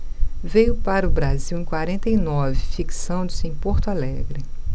veio para o brasil em quarenta e nove fixando-se em porto alegre